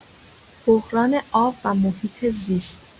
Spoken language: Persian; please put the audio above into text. بحران آب و محیط‌زیست